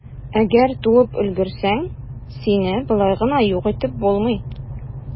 Әгәр туып өлгерсәң, сине болай гына юк итеп булмый.